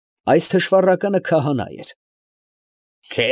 Այս թշվառականը քահանա էր։ ֊